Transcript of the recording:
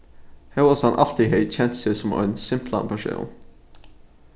hóast hann altíð hevði kent seg sum ein simplan persón